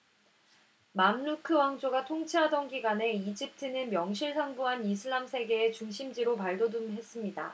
맘루크 왕조가 통치하던 기간에 이집트는 명실상부한 이슬람 세계의 중심지로 발돋움했습니다